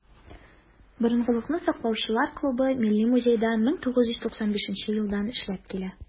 "борынгылыкны саклаучылар" клубы милли музейда 1995 елдан эшләп килә.